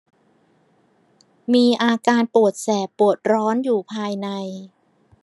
มีอาการปวดแสบปวดร้อนอยู่ภายใน